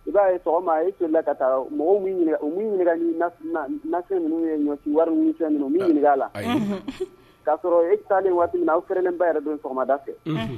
I b'a ye sɔgɔma ye senla ka taa mɔgɔ min o nasi ninnu ye ɲɔ wari ɲininka' la k'a sɔrɔ e taa ni waati min na aw fɛnen ba yɛrɛ don sɔgɔmada fɛ